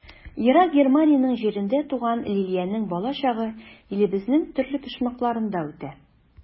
Ерак Германия җирендә туган Лилиянең балачагы илебезнең төрле почмакларында үтә.